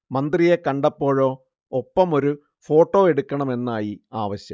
മന്ത്രിയെ കണ്ടപ്പോഴോ ഒപ്പമൊരു ഫോട്ടോ എടുക്കണമെന്നായി ആവശ്യം